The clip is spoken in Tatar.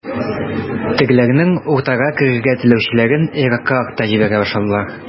Тегеләрнең уртага керергә теләүчеләрен ераккарак та җибәрә башладылар.